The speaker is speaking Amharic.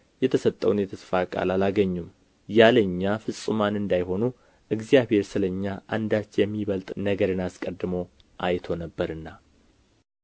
የተሰጠውን የተስፋ ቃል አላገኙም ያለ እኛ ፍጹማን እንዳይሆኑ እግዚአብሔር ስለ እኛ አንዳች የሚበልጥ ነገርን አስቀድሞ አይቶ ነበርና